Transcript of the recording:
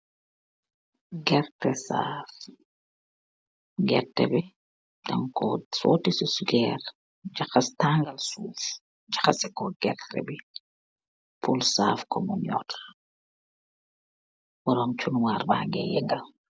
Gerrteh saaff, gerrteh bi dankoh sorti ci sugerre, jahass tarngal suff, jahaseh kor gerrteh bii, pul saaf kor mu njorr, borom chunwarr bangeh yengal.